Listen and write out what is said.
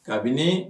Kabini